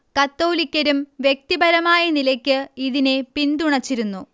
കത്തോലിക്കരും വ്യക്തിപരമായ നിലയ്ക്ക് ഇതിനെ പിന്തുണച്ചിരുന്നു